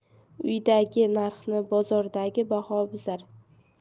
uydagi narxni bozordagi baho buzar